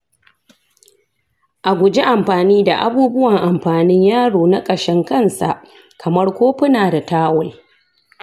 a guji amfani da abubuwan amfanin yaro na kashin kansa kamar kofuna da tawul.